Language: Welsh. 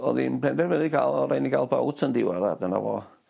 o'dd i'n penderfyny ca'l o rai ni ga'l bowt yndi wel yy dyna fo.